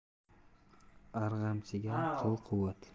arg'amchiga qil quvvat